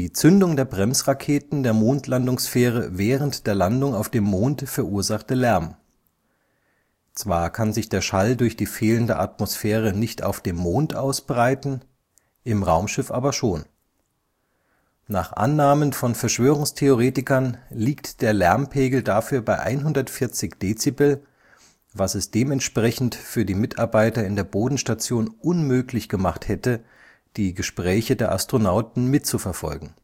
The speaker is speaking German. Zündung der Bremsraketen der Mondlandungsfähre während der Landung auf dem Mond verursachte Lärm. Zwar kann sich der Schall durch die fehlende Atmosphäre nicht auf dem Mond ausbreiten – im Raumschiff aber schon. Nach Annahmen von Verschwörungstheoretikern liegt der Lärmpegel dafür bei 140 dB, was es dementsprechend für die Mitarbeiter in der Bodenstation unmöglich gemacht hätte, die Gespräche der Astronauten mitzuverfolgen